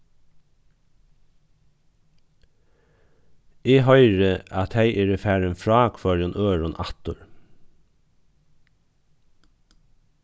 eg hoyri at tey eru farin frá hvørjum øðrum aftur